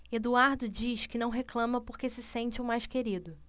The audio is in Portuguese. eduardo diz que não reclama porque se sente o mais querido